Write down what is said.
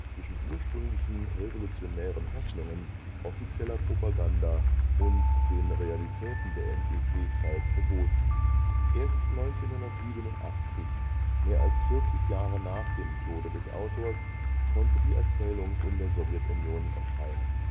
zwischen ursprünglichen revolutionären Hoffnungen, offizieller Propaganda und den Realitäten der NÖP-Zeit, verboten. Erst 1987, mehr als 40 Jahre nach dem Tode des Autors, konnte die Erzählung in der Sowjetunion erscheinen